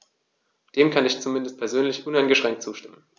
Dem kann ich zumindest persönlich uneingeschränkt zustimmen.